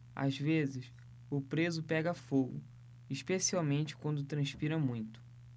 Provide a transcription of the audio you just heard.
às vezes o preso pega fogo especialmente quando transpira muito